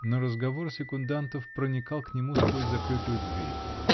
но разговор секундантов проникал к нему сквозь закрытую дверь.